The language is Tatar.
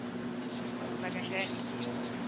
Күрмәгәнгә ике ел